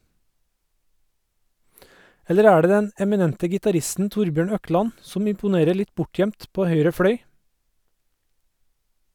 Eller er det den eminente gitaristen Torbjørn Økland, som imponerer litt bortgjemt på høyre fløy.